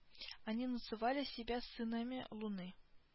Они называли себя сынами луны